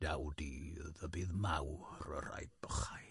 Daw dydd y bydd mawr yr rhai bychain.